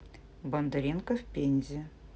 бондаренко в пензе